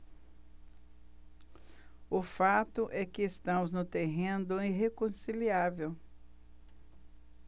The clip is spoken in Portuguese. o fato é que estamos no terreno do irreconciliável